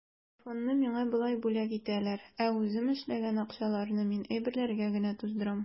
Айфонны миңа болай бүләк итәләр, ә үзем эшләгән акчаларны мин әйберләргә генә туздырам.